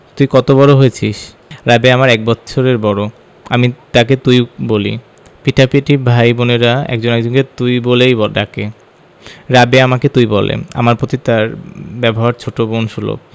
তুই কত বড় হয়েছিস রাবেয়া আমার এক বৎসরের বড় আমি তাকে তুই বলি পিঠাপিঠি ভাই বোনের একজন আরেক জনকে তুই বলেই ডাকে রাবেয়া আমাকে তুমি বলে আমার প্রতি তার ব্যবহার ছোট বোন সুলভ